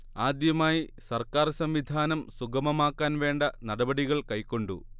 ആദ്യമായി സർക്കാർ സംവിധാനം സുഗമമാക്കാൻ വേണ്ട നടപടികൾ കൈക്കൊണ്ടു